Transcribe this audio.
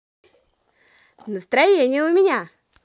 настроение у меня